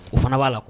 O fana b'a labɔ.